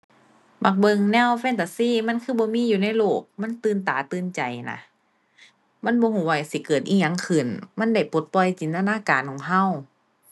มักเบิ่งแนวแฟนตาซี มันคือบ่มีอยู่ในโลก มันตื่นตาตื่นใจน่ะ มันบ่รู้ว่าสิเกิดอิหยังขึ้น มันได้ปลดปล่อยจินตนาการของรู้